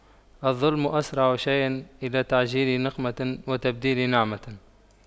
الظلم أسرع شيء إلى تعجيل نقمة وتبديل نعمة